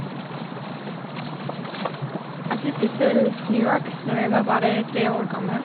Jeg flyttet til New York når jeg var bare tre år gammel.